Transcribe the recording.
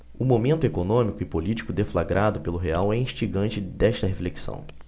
o momento econômico e político deflagrado pelo real é instigante desta reflexão